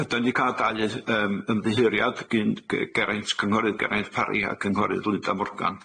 Ydan ni ca'l dau yy yym ymddiheuriad gin g- Geraint, cynghorydd Geraint Parry a cynghorydd Lunda Morgan.